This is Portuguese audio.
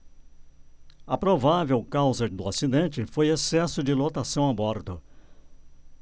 a provável causa do acidente foi excesso de lotação a bordo